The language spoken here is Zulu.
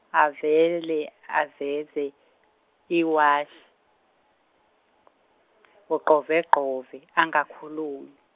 avele aveze, iwashi, uQoveqove angakhulumi.